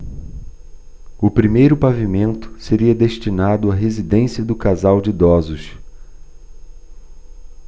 o primeiro pavimento seria destinado à residência do casal de idosos